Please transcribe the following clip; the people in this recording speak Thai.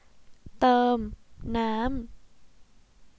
เติมน้ำ